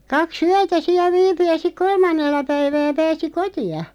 kaksi yötä siellä viipyi ja sitten kolmannella päivää pääsi kotiin